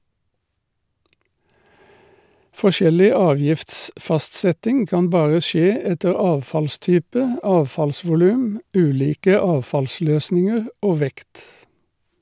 Forskjellig avgiftsfastsetting kan bare skje etter avfallstype, avfallsvolum , ulike avfallsløsninger og vekt.